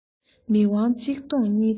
མིག དབང གཅིག ལྡོངས གཉིས ལྡོངས